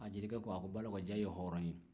jelikɛ ko ja balɔbɔ i ye hɔrɔn ye